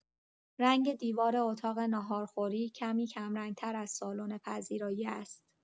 رنگ دیوار اتاق ناهارخوری کمی کم‌رنگ‌تر از سالن پذیرایی است.